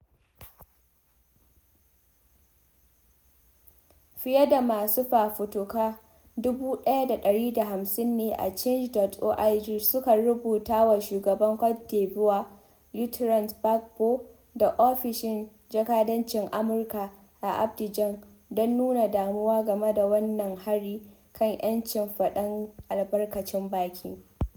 Fiye da masu fafutuka 1,150 ne a Change.org suka rubuta wa Shugaban Côte d'Ivoire Laurent Gbagbo da Ofishin Jakadancin Amurka a Abidjan don nuna damuwa game da wannan hari kan ‘yancin faɗar albarkacin baki.